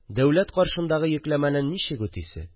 Дәүләт каршындагы йөкләмәне ничек үтисе